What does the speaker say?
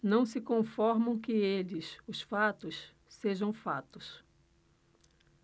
não se conformam que eles os fatos sejam fatos